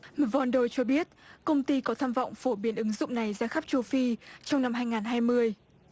von đôi cho biết công ty có tham vọng phổ biến ứng dụng này ra khắp châu phi trong năm hai ngàn hai mươi